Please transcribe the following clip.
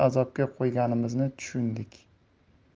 azobga qo'yganimizni tushundik